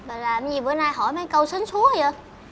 bà làm cái gì bữa nay hỏi mấy câu sến súa vậy